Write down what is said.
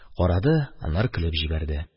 Карады, аннары көлеп җибәрде.